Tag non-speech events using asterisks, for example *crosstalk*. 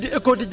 *music* merci